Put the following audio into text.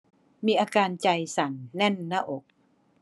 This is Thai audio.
มีอาการใจสั่นแน่นหน้าอก